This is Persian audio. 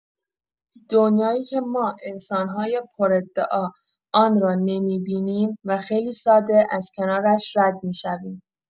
دنیایی که ما انسان‌های پرادعا آن را نمی‌بینیم و خیلی ساده از کنارش رد می‌شویم.